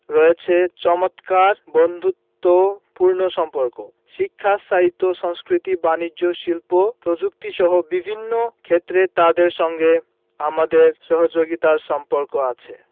রয়েছে চমৎকার বন্ধুত্বপূর্ণ সম্পর্ক শিক্ষা সাহিত্য সংস্কৃতি বানিজ্য শিল্প প্রযুক্তিসহ বিভিন্ন ক্ষেত্রে তাদের সঙ্গে আমাদের সহযোগিতার সম্পর্ক আছে